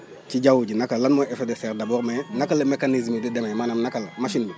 ci jaww ji naka lan mooy effet de serre d' abord mais naka la mécanisme yi di demee maanaam naka la machines bi